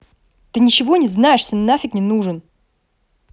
ты ничего не знаешься нафиг не нужен